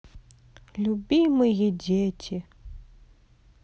любимые дети